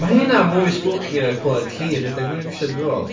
Ma' hynna'n fwy sbwci na clywed ci yn rhedeg fyny grisiau, dwi feddwl.